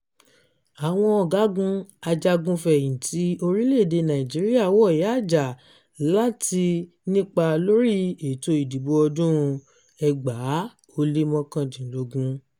Àwọn ọ̀gágun ajagun fẹ̀yìntì orílẹ̀-èdè Nàìjíríà wọ̀yáàjà láti nípa lórí ètò ìdìbò ọdún-un 2019